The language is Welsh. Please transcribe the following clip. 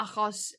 achos